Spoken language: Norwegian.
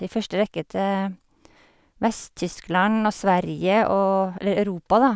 I første rekke til Vest-Tyskland og Sverige og eller Europa, da.